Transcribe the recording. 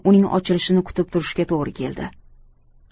uning ochilishini kutib turishga to'g'ri keldi